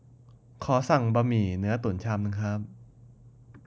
ขอสั่งบะหมี่เนื้อตุ๋นชามนึงครับ